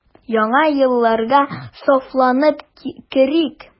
Яңа елларга сафланып керик.